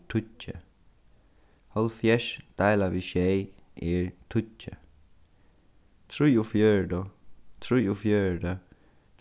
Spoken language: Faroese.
tíggju hálvfjerðs deila við sjey er tíggju trýogfjøruti